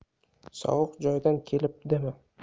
sovuq joydan kelibdimi